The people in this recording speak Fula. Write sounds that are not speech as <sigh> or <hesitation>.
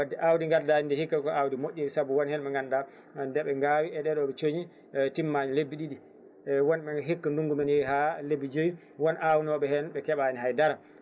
kadi awdi gaddadi ndi hikka ko awdi moƴƴiri saabu wonihen ɓe ganduɗa ndeɓe gawi e ɗo ɗoɓe cooñi <hesitation> timmani lebbi ɗiɗi <hesitation> wonɓe hikka ndugngu mumen yeehi ha lebbi jooyi won awnoɓe hen ɓe keeɓani haydara